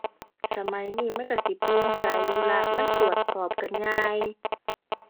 สมัยนี้มันก็สิโปร่งใสอยู่ละ มันตรวจสอบกันง่าย